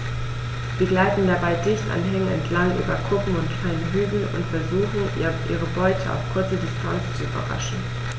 Sie gleiten dabei dicht an Hängen entlang, über Kuppen und kleine Hügel und versuchen ihre Beute auf kurze Distanz zu überraschen.